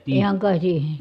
ihan käsin